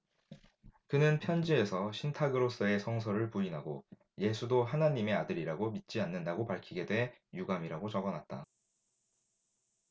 그는 편지에서 신탁으로써의 성서를 부인하고 예수도 하나님의 아들이라고 믿지 않는다고 밝히게 돼 유감이라고 적어놨다